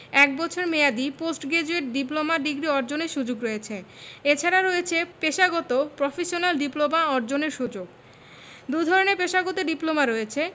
এক বছর মেয়াদি পোস্ট গ্রাজুয়েট ডিপ্লোমা ডিগ্রি অর্জনের সুযোগ রয়েছে এছাড়া রয়েছে পেশাগত প্রফেশনাল ডিপ্লোমা অর্জনের সুযোগ দুধরনের পেশাগত ডিপ্লোমা রয়েছে